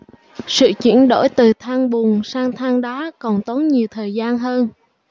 sự chuyển đổi từ than bùn sang than đá còn tốn nhiều thời gian hơn